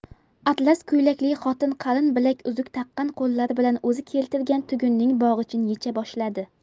atlas ko'ylakli xotin qalin bilaguzuk taqqan qo'llari bilan o'zi keltirgan tugunning bog'ichini yecha boshladi